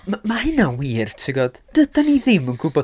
Ma' hynna'n wir, ti'n gwybod. Dydan ni ddim yn gwbod.